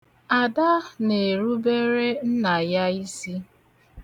Ada na-erubere Nna ya isi.